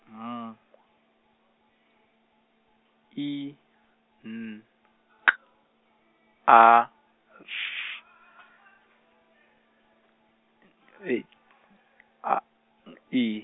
M , I, N K A S, A I.